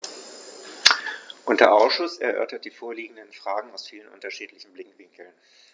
Unser Ausschuss erörtert die vorliegenden Fragen aus vielen unterschiedlichen Blickwinkeln.